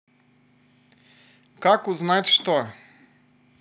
как узнать что